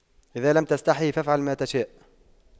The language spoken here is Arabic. اذا لم تستحي فأفعل ما تشاء